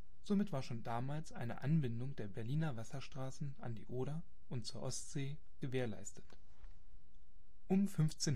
war schon damals eine Anbindung der Berliner Wasserstraßen and die Oder und zur Ostsee gewährleistet. Um 1572